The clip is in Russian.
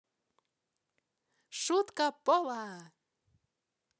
шутка пола